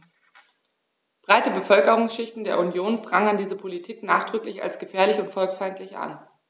Breite Bevölkerungsschichten der Union prangern diese Politik nachdrücklich als gefährlich und volksfeindlich an.